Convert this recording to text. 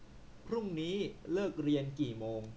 พรุ่งนี้เลิกเรียนกี่โมง